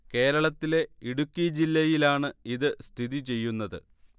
കേരളത്തിലെ ഇടുക്കി ജില്ലയിലാണ് ഇത് സ്ഥിതി ചെയ്യുന്നത്